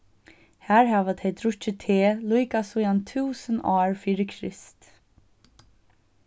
har hava tey drukkið te líka síðan túsund ár fyri krist